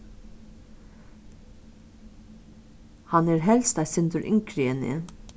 hann er helst eitt sindur yngri enn eg